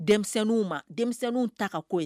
Dɛnmisɛnninw ma denmisɛnninw ta ka ko ye